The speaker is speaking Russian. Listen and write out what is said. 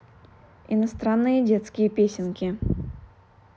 иностранные детские песенки